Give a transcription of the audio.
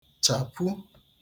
chàpu